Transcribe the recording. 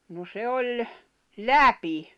no se oli läpi